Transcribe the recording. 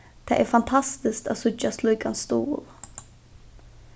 tað er fantastiskt at síggja slíkan stuðul